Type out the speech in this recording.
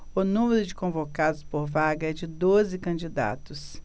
o número de convocados por vaga é de doze candidatos